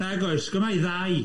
Nag oes, gyma'i ddau.